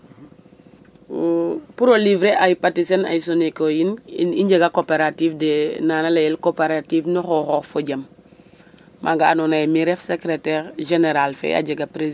Pour o livrer ay Patisen, ay Senico, yin in njega coopérative de nana layel coopérative no xooxof fo jem maaga andoona ye mi' refu Sécrétaire Générale fe, a